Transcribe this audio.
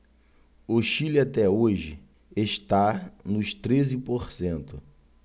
o chile até hoje está nos treze por cento